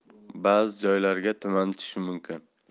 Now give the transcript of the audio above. ba'zi joylarga tuman tushishi mumkin